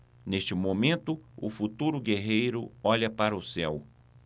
neste momento o futuro guerreiro olha para o céu